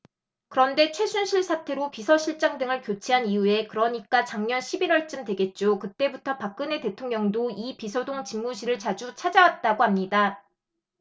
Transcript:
그런데 최순실 사태로 비서실장 등을 교체한 이후에 그러니까 작년 십 일 월쯤 되겠죠 그때부터 박근혜 대통령도 이 비서동 집무실을 자주 찾아왔다고 합니다